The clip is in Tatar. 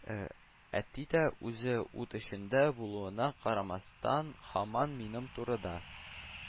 Әти дә, үзе ут эчендә булуына карамастан, һаман минем турыда